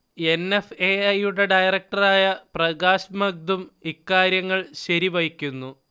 N. F. A. I. യുടെ ഡയറക്ടറായ പ്രകാശ് മഗ്ദും ഇക്കാര്യങ്ങൾ ശരിവയ്ക്കുന്നു